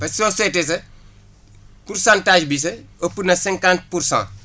parce que soo seetee sax pourcentage bi sax ëpp na cinquante pour cent